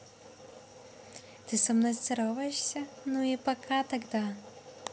ты со мной здороваешься ну и пока тогда